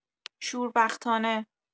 شوربختانه